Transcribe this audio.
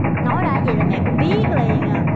nói ra cái gì là mẹ cũng biết liền à